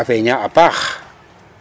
kaa feñaa a paax.